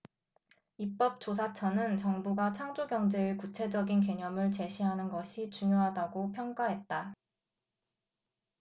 입법조사처는 정부가 창조경제의 구체적인 개념을 제시하는 것이 중요하다고 평가했다